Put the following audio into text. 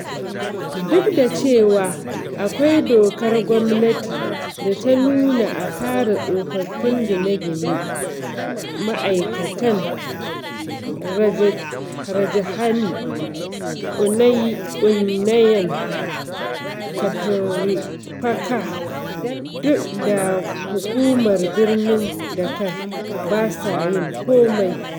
Duk da cewa akwai dokar gwamnati da ta nuna a kare tsofaffin gine-gine, ma'aikatan Rajdhani Uunnayan Kartripakkha da Hukumar Birnin Dhaka ba sa yin komai.